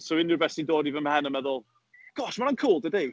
So unrhyw beth sy'n dod i fy mhen a meddwl, "gosh, mae hwnna'n cŵl, dydy"?